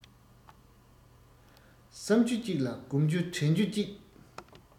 བསམ རྒྱུ གཅིག ལ བསྒོམ རྒྱུ དྲན རྒྱུ གཅིག